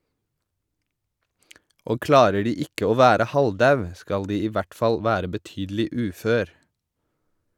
Og klarer de ikke å være halvdau, skal de i hvert fall være betydelig ufør.